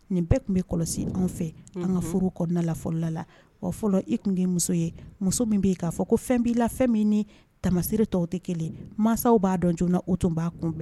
Nin bɛɛ tun bɛ kɔlɔsi anw fɛ an ka furu kɔnɔna la fɔlɔla la wa fɔlɔ i tun tɛ muso ye muso min bɛ yen k'a fɔ ko fɛn b'i la fɛn min ni tamasire tɔw tɛ kelen mansaw b'a dɔn joonana o tun' kunbɛn